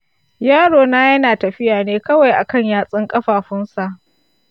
yarona yana tafiya ne kawai a kan yatsun ƙafafunsa